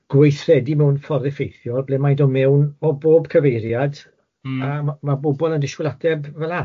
gweithredu mewn ffordd effeithiol ble mae'n dod mewn o bob cyfeiriad... Mm. ...a ma' ma' bobl yn dishgwyl ateb fel'na.